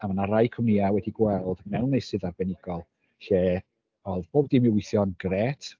A mae 'na rai cwmnïau wedi gweld mewn meysydd arbenigol lle oedd bob dim i weithio'n grêt.